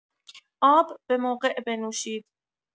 آب به‌موقع بنوشید.